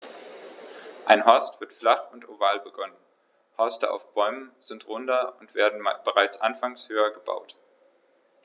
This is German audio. Ein Horst wird flach und oval begonnen, Horste auf Bäumen sind runder und werden bereits anfangs höher gebaut.